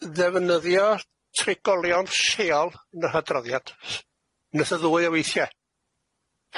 ddefnyddio trigolion lleol yn yr hydroddiad unweth ne' ddwy o weithie.